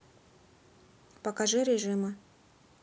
покажи режимы